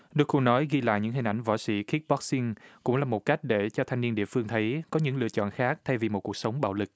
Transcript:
ních cô nói ghi lại những hình ảnh võ sĩ kíc bóc xinh cũng là một cách để cho thanh niên địa phương thấy có những lựa chọn khác thay vì một cuộc sống bạo lực